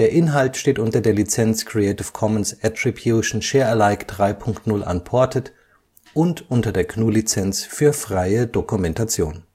Inhalt steht unter der Lizenz Creative Commons Attribution Share Alike 3 Punkt 0 Unported und unter der GNU Lizenz für freie Dokumentation